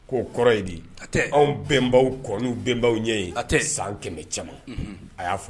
Ko kɔrɔ ye di ka tɛ anw bɛnbawɔrɔnw bɛnenbaw ɲɛ ye ka tɛ san kɛmɛ caman a y'a fɔ